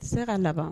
Se ka na